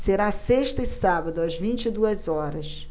será sexta e sábado às vinte e duas horas